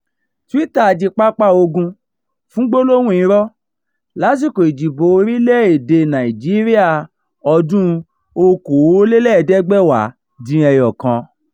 Twitter di pápá ogun fún gbólóhùn irọ́ lásìkò ìdìbò orílẹ̀-èdèe Nàìjíríà ọdún-un 2019